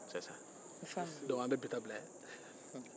dɔnku an bɛ bi ta bila yan